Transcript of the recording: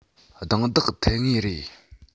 རྡུང རྡེག ཐེབས ངེས རེད